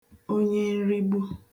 onyenrigbu